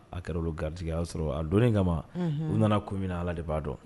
A kɛra gari y'a sɔrɔ a don kama u nana ko minna na ala de b'a dɔn